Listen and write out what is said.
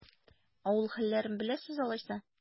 Авыл хәлләрен беләсез алайса?